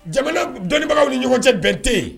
Jamana dɔnnibagaw ni ɲɔgɔn cɛ bɛnte yen